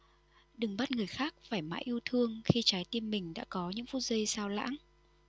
đừng bắt người khác phải mãi yêu thương khi trái tim mình đã có những phút giây xao lãng